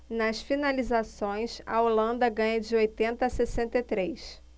nas finalizações a holanda ganha de oitenta a sessenta e três